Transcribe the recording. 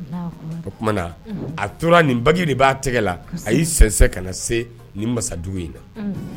O tuma na, a tora nin bagi de b'a tɛgɛ la . A y'i sɛnsɛn ka na se ni masa dugu in na